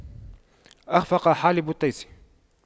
أَخْفَقَ حالب التيس